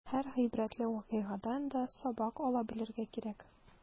Һәр гыйбрәтле вакыйгадан да сабак ала белергә кирәк.